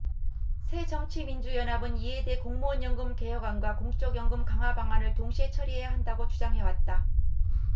새정치민주연합은 이에 대해 공무원연금 개혁안과 공적연금 강화방안을 동시에 처리해야 한다고 주장해왔다